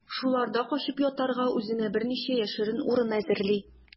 Шуларда качып ятарга үзенә берничә яшерен урын әзерли.